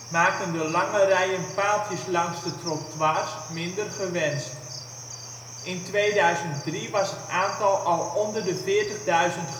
maken de lange rijen paaltjes langs de trottoirs minder gewenst. In 2003 was het aantal al onder de 40 000 gedaald